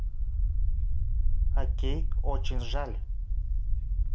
окей очень жаль